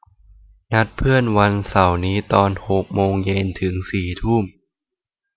นัดเพื่อนวันเสาร์นี้ตอนหกโมงเย็นถึงสี่ทุ่ม